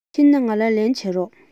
ཕྱིན ན ང ལ ལན བྱིན རོགས